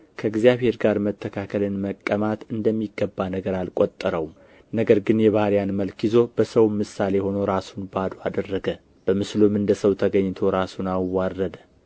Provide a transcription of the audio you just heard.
ከእግዚአብሔር ጋር መተካከልን መቀማት እንደሚገባ ነገር አልቈጠረውም ነገር ግን የባሪያን መልክ ይዞ በሰውም ምሳሌ ሆኖ ራሱን ባዶ አደረገ በምስሉም እንደ ሰው ተገኝቶ ራሱን አዋረደ